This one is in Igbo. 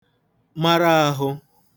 mara āhụ̄